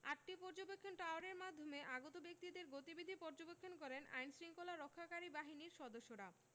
আটটি পর্যবেক্ষণ টাওয়ারের মাধ্যমে আগত ব্যক্তিদের গতিবিধি পর্যবেক্ষণ করেন আইনশৃঙ্খলা রক্ষাকারী বাহিনীর সদস্যরা